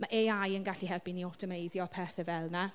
Mae AI yn gallu helpu ni awtomeiddio pethe fel 'na.